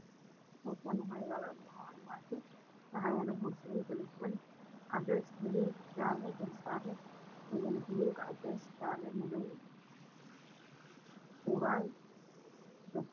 Waa carwo waxa ii muuqda boorsooyinka ay qaataan dumarka iyo dhar kale oo meel saaran